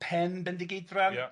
Pen Bendigeidfran? Ia.